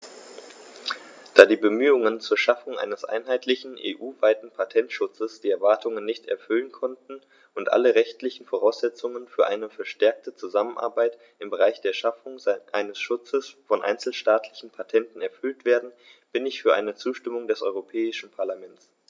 Da die Bemühungen zur Schaffung eines einheitlichen, EU-weiten Patentschutzes die Erwartungen nicht erfüllen konnten und alle rechtlichen Voraussetzungen für eine verstärkte Zusammenarbeit im Bereich der Schaffung eines Schutzes von einzelstaatlichen Patenten erfüllt werden, bin ich für eine Zustimmung des Europäischen Parlaments.